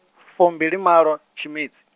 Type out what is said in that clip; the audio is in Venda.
fumbilimalo tshimedzi.